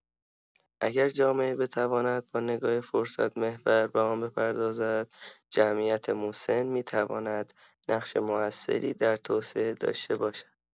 اگر جامعه بتواند با نگاه فرصت‌محور به آن بپردازد، جمعیت مسن می‌تواند نقش موثری در توسعه داشته باشد.